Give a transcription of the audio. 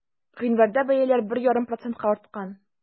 Гыйнварда бәяләр 1,5 процентка арткан.